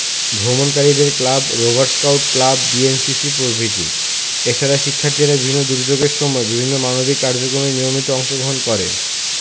ভ্রমণকারীদের club rover scout club BNCC প্রভৃতি এছাড়া শিক্ষার্থীরা প্রাকৃতিক দূর্যোগের সময় বিভিন্ন মানবিক কার্যক্রমে নিয়মিত অংশগ্রহণ করে